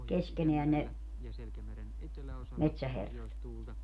keskenään ne metsäherrat